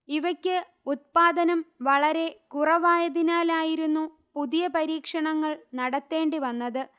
ഇവക്ക് ഉത്പാദനം വളരെക്കുറവായതിനാലായിരുന്നു പുതിയ പരീക്ഷണങ്ങൾ നടത്തേണ്ടി വന്നത്